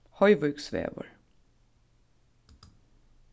hoyvíksvegur